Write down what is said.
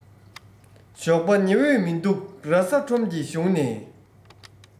ཞོགས པ ཉི འོད མི འདུག ས ཁྲོམ གྱི གཞུང ནས